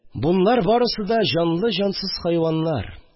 Бунлар барсы да җанлы-җансыз хайваннар